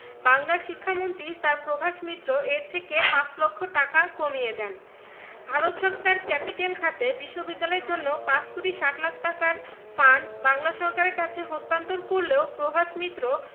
বাংলার শিক্ষামন্ত্রী স্যার প্রভাস মিত্র এর থেকে পাঁচ লক্ষ টাকা কমিয়ে দেন ভারত সরকার ক্যাপিটেল খাতে বিশ্ববিদ্যালয়ের জন্য ৫ কোটি ৬০ লাখ টাকার ফান্ড বাংলা সরকারের কাছে হস্তান্তর করলেও প্রভাস মিত্র